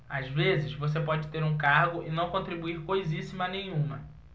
às vezes você pode ter um cargo e não contribuir coisíssima nenhuma